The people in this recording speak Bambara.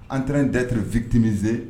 Entrain d'être victimiser